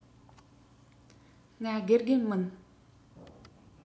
ང དགེ རྒན མིན